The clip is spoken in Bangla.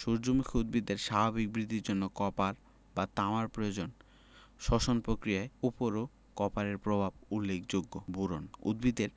সূর্যমুখী উদ্ভিদের স্বাভাবিক বৃদ্ধির জন্য কপার বা তামার প্রয়োজন শ্বসন পক্রিয়ার উপরও কপারের প্রভাব উল্লেখযোগ্য বোরন উদ্ভিদের